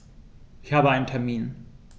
Ich habe einen Termin.